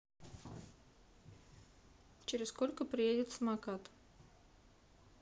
через сколько приедет самокат